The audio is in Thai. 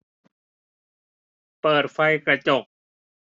เปิดไฟกระจก